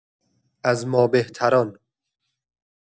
از ما بهتران